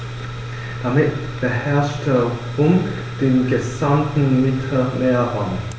Damit beherrschte Rom den gesamten Mittelmeerraum.